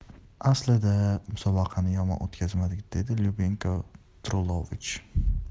aslida musobaqani yomon o'tkazmadik dedi lyubinko drulovich